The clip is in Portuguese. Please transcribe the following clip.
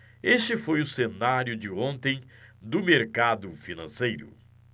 este foi o cenário de ontem do mercado financeiro